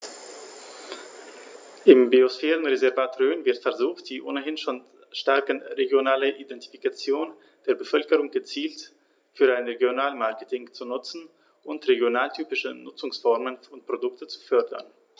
Im Biosphärenreservat Rhön wird versucht, die ohnehin schon starke regionale Identifikation der Bevölkerung gezielt für ein Regionalmarketing zu nutzen und regionaltypische Nutzungsformen und Produkte zu fördern.